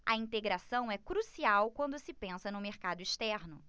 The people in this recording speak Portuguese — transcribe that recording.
a integração é crucial quando se pensa no mercado externo